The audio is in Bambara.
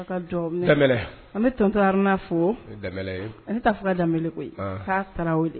Ttor n'a fo taa da koyi'a taara wele